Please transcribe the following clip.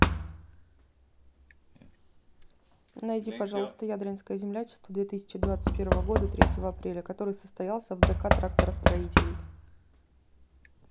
найди пожалуйста ядринская землячество две тысячи двадцать первого года третьего апреля который состоялся в дк тракторостроителей